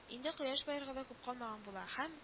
Инде кояш баерга да күп калмаган була һәм